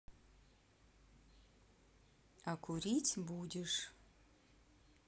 а курить будешь